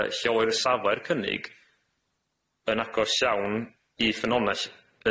Yy lleolir safle'r cynnig yn agos iawn i ffynonell